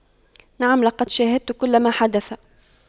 نعم لقد شاهدت كل ما حدث